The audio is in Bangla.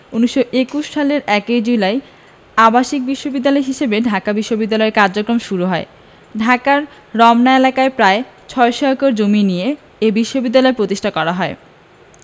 ১৯২১ সালের ১ জুলাই আবাসিক বিশ্ববিদ্যালয় হিসেবে ঢাকা বিশ্ববিদ্যালয়ের কার্যক্রম শুরু হয় ঢাকার রমনা এলাকার প্রায় ৬০০ একর জমি নিয়ে এ বিশ্ববিদ্যালয় প্রতিষ্ঠা করা হয়